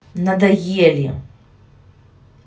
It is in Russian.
надоели